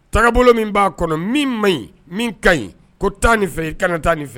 Ta bolo min b'a kɔnɔ min man ɲi min ka ɲi ko taa nin fɛ kan taa nin fɛ